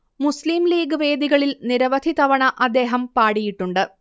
മുസ്ലീം ലീഗ് വേദികളിൽ നിരവധി തവണ അദ്ദേഹം പാടിയിട്ടുണ്ട്